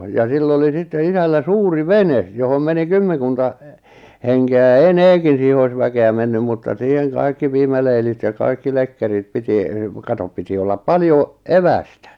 ja sillä oli sitten isällä suuri vene johon meni kymmenkunta henkeä ja enemmänkin siihen olisi väkeä mennyt mutta siihen kaikki piimäleilit ja kaikki lekkerit piti katso piti olla paljon evästä